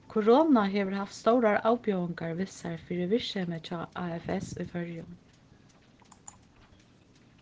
korona hevur havt stórar avbjóðingar við sær fyri virksemið hjá afs í føroyum